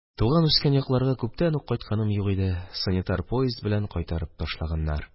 Туган-үскән якларга күптән үк кайтканым юк иде, санитар поезд белән кайтарып ташлаганнар